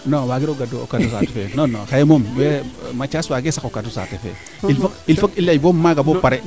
no waagiro gadu o kadu saate fee non non xaye moom Mathiase waage saq o kaadu saate fee il faut que i ley maaga bo pare